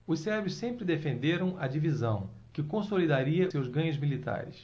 os sérvios sempre defenderam a divisão que consolidaria seus ganhos militares